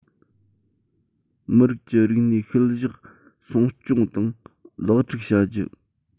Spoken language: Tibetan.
མི རིགས ཀྱི རིག གནས ཤུལ བཞག སྲུང སྐྱོང དང ལེགས སྒྲིག བྱ རྒྱུ